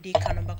Den kanu bagaw.